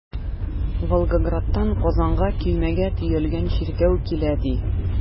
Волгоградтан Казанга көймәгә төялгән чиркәү килә, ди.